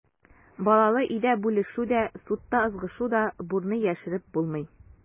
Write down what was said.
Балалы өйдә бүлешү дә, судта ызгышу да, бурны яшереп булмый.